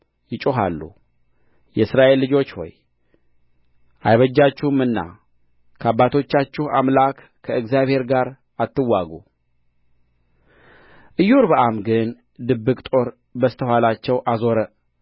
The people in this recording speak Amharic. ይጮኻሉ የእስራኤል ልጆች ሆይ አይበጃችሁምና ከአባቶቻችሁ አምላክ ከእግዚአብሔር ጋር አትዋጉ ኢዮርብዓም ግን ድብቅ ጦር በስተ ኋላቸው አዞረ